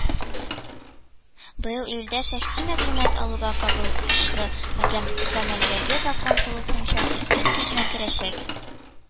Быел июльдә шәхси мәгълүмат алуга кагылышлы гамәлдәге закон тулысынча үз көченә керәчәк